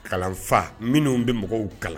Kalanfa minnu bɛ mɔgɔw kalan